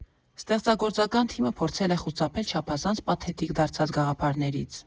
Ստեղծագործական թիմը փորձել է խուսափել չափազանց պաթետիկ դարձած գաղափարներից։